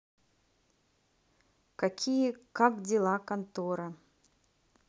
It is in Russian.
какие как дела контора